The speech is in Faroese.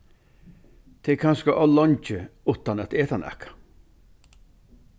tað er kanska ov leingi uttan at eta nakað